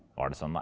var det søndag?